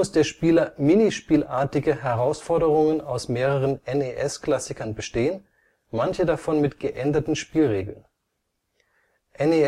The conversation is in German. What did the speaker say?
der Spieler Minispiel-artige Herausforderungen aus mehreren NES-Klassikern bestehen, manche davon mit geänderten Spielregeln. NES